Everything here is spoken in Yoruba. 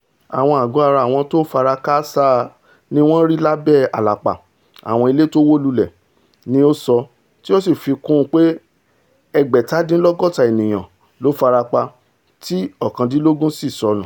Àwọn àgọ́-ara ti àwọn tó farakó-áásá niwọ́n rí lábẹ́ àlàpà àwọn ilé tówó lulẹ̀, ní ó sọ, tí ó sì fi kún un pé ẹgbẹ̀tadínlọ́gọ́tá ènìyàn ló farapa tí ọ̀kaǹdińlọ́gbọ̀n sì ṣọnù.